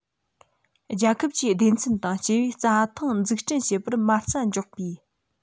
རྒྱལ ཁབ ཀྱིས སྡེ ཚན དང སྐྱེ བོས རྩྭ ཐང འཛུགས སྐྲུན བྱེད པར མ རྩ འཇོག པའི